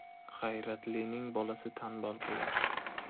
g'ayratlining bolasi tanbal bo'lar